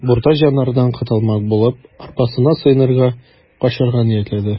Буртай жандардан котылмак булып, арбасына сыенырга, качарга ниятләде.